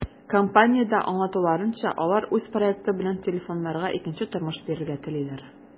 Компаниядә аңлатуларынча, алар үз проекты белән телефоннарга икенче тормыш бирергә телиләр.